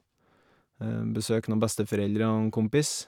Besøk noen besteforeldre og en kompis.